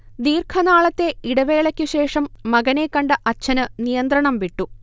ദീർഘനാളത്തെ ഇടവേളയ്ക്കു ശേഷം മകനെ കണ്ട അച്ഛന് നിയന്ത്രണംവിട്ടു